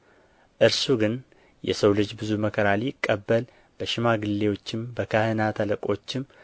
እርሱ ግን የሰው ልጅ ብዙ መከራ ሊቀበል በሽማግሌዎችም በካህናት አለቆችም